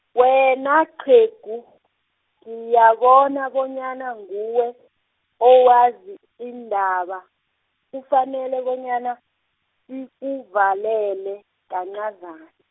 wena qhegu, ngiyabona bonyana nguwe, owazi indaba, kufanele bonyana, sikuvalele kanqazan-.